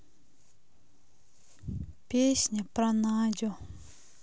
песня про надю